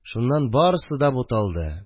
Шуннан барысы да буталды